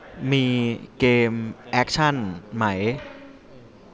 มีเกมแอคชั่นไหม